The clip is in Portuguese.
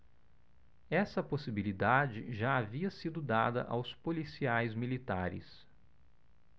essa possibilidade já havia sido dada aos policiais militares